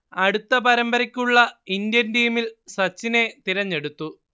അടുത്ത പരമ്പരക്കുള്ള ഇന്ത്യൻ ടീമിൽ സച്ചിനെ തിരഞ്ഞെടുത്തു